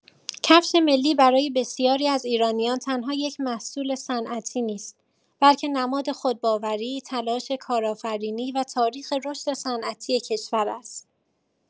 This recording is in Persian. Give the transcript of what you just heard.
کفش ملی برای بسیاری از ایرانیان تنها یک محصول صنعتی نیست، بلکه نماد خودباوری، تلاش کارآفرینی و تاریخ رشد صنعتی کشور است.